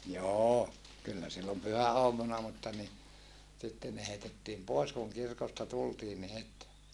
joo kyllä silloin pyhäaamuna mutta niin sitten ne heitettiin pois kun kirkosta tultiin niin heti